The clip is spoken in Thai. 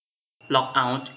ล็อกเอาท์